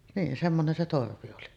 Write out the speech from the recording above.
niin semmoinen se torvi oli